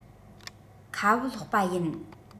ཁ བུབ སློག པ ཡིན